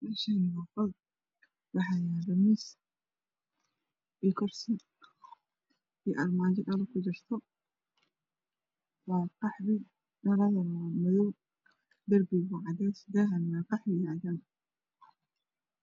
Meshani waa qol waxyalo miis io kursi io armajo dhalo kujirto wa qaxwi dhaladan waa madow darbiga waa cades dahan waa qaxwi io cadan.